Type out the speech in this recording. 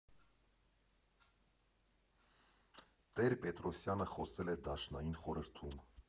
Տեր֊֊Պետրոսյանը խոսել է Դաշնային խորհրդում։